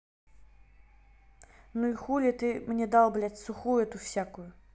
ну и хули ты мне дал блядь сухую эту всякую